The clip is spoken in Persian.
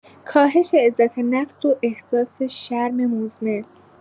کاهش عزت‌نفس و احساس شرم مزمن